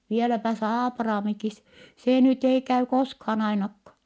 vieläpä se Aapraamikin se nyt ei käy koskaan ainakaan